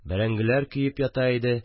Бәрәңгеләр көеп ята иде